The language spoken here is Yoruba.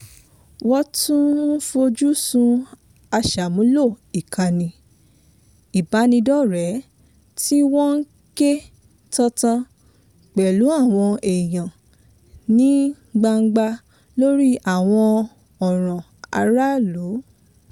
Wọ́n tún ń fojú sun àwọn aṣàmúlò ìkànnì ìbánidọ́rẹ̀ẹ́ tí wọ́n ń ké tantan pẹ̀lú àwọn èèyàn ní gbangba lórí àwọn ọ̀ràn ará-ìlú.